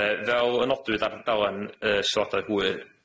Yy fel y nodwydd ar dudalan y sylwadau hwyr